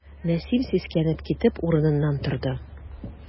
Нәсим, сискәнеп китеп, урыныннан торды.